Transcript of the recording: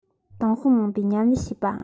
ཏང ཤོག མང པོས མཉམ ལས བྱེད པ